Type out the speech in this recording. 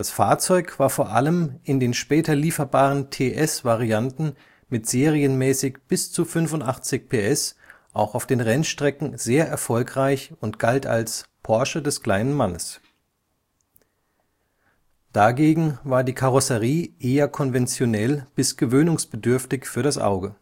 Fahrzeug war vor allem in den später lieferbaren TS-Varianten mit serienmäßig bis zu 85 PS auch auf den Rennstrecken sehr erfolgreich und galt als Porsche des kleinen Mannes. Dagegen war die Karosserie eher konventionell bis gewöhnungsbedürftig für das Auge